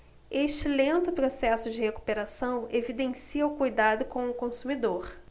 este lento processo de recuperação evidencia o cuidado com o consumidor